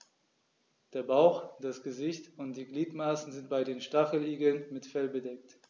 Der Bauch, das Gesicht und die Gliedmaßen sind bei den Stacheligeln mit Fell bedeckt.